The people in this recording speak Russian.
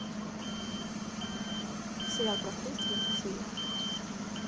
сериал простые истины все серии